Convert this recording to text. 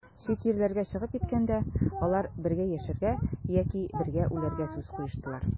Чит җирләргә чыгып киткәндә, алар бергә яшәргә яки бергә үләргә сүз куештылар.